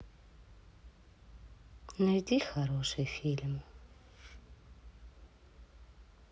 найди хороший фильм